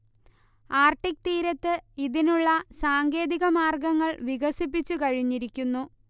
Arctic തീരത്ത് ഇതിനുള്ള സാങ്കേതിക മാർഗങ്ങൾ വികസിപ്പിച്ചു കഴിഞ്ഞിരിക്കുന്നു